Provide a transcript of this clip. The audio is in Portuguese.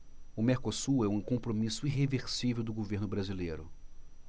o mercosul é um compromisso irreversível do governo brasileiro